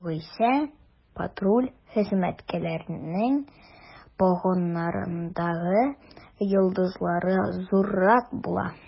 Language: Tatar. Югыйсә, патруль хезмәткәрләренең погоннарындагы йолдызлар зуррак була.